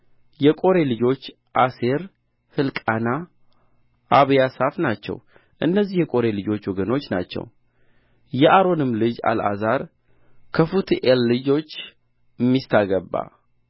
የቆሬ ልጆች አሴር ሕልቃና አብያሳፍ ናቸው እነዚህ የቆሬ ልጆች ወገኖች ናቸው የአሮንም ልጅ አልዓዛር ከፉትኤል ልጆች ሚስት አገባ